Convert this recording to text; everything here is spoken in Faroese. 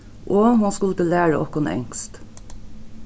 og hon skuldi læra okkum enskt